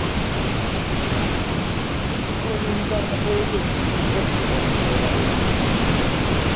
вроде недавно появился уже склерозом страдаешь